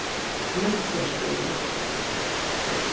nólsoyar skúli